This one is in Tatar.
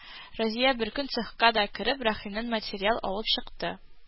Разия беркөн, цехка да кереп, Рәхимнән материал алып чыкты